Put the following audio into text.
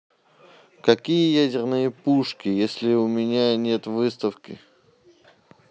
какие ядерные пушки если у меня нет выставки